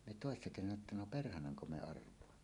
me toissa kesänä että no perhananko me arvaamme